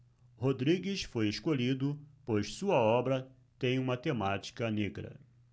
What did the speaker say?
rodrigues foi escolhido pois sua obra tem uma temática negra